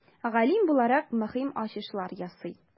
Галим буларак, мөһим ачышлар ясый.